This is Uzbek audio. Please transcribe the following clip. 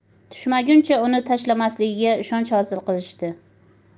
tushmaguncha uni tashlamasligiga ishonch hosil qilishdi